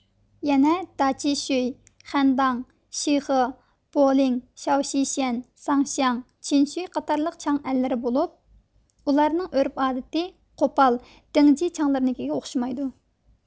يەنە داچشۇي خەنداڭ شىخې بولىڭ شياۋششەن ساڭشياڭ چىنشۇي قاتارلىق چاڭ ئەللىرى بولۇپ ئۇلارنىڭ ئۆرپ ئادىتى قوپال دېڭجى چاڭلىرىنىڭكىگە ئوخشىمايدۇ